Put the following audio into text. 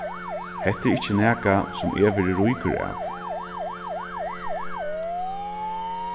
hetta er ikki nakað sum eg verði ríkur av